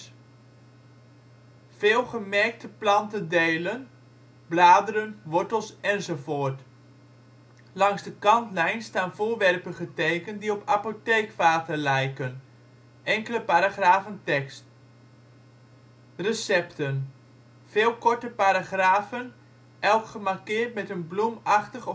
Veel gemerkte plantendelen (bladeren, wortels enzovoort). Langs de kantlijn staan voorwerpen getekend die op apotheekvaten lijken. Enkele paragrafen tekst. Recepten Veel korte paragrafen, elk gemarkeerd met een bloemachtig